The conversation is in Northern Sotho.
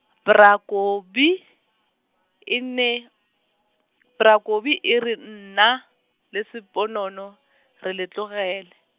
bra Kobi, e ne , bra Kobi e re nna, le Sponono, re le tlogele.